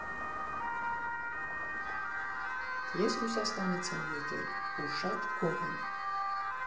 Ես Ռուսաստանից եմ եկել, ու շատ գոհ եմ։